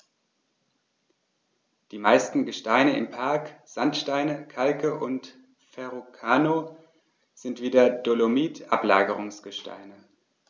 Die meisten Gesteine im Park – Sandsteine, Kalke und Verrucano – sind wie der Dolomit Ablagerungsgesteine.